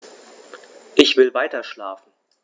Ich will weiterschlafen.